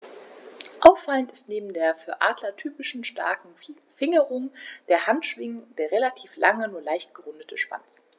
Auffallend ist neben der für Adler typischen starken Fingerung der Handschwingen der relativ lange, nur leicht gerundete Schwanz.